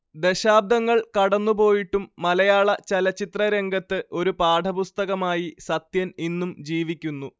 ദശാബ്ദങ്ങൾ കടന്നുപോയിട്ടും മലയാള ചലച്ചിത്ര രംഗത്ത് ഒരു പാഠപുസ്തകമായി സത്യൻ ഇന്നും ജീവിക്കുന്നു